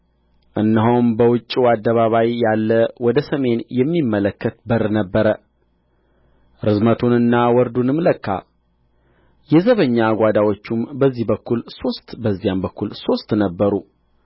እነሆም በውጭው አደባባይ ያለ ወደ ሰሜን የሚመለከት በር ነበረ ርዝመቱንና ወርዱንም ለካ የዘበኛ ጓዳዎቹም በዚህ በኩል ሦስት በዚያም በኩል ሦስት ነበሩ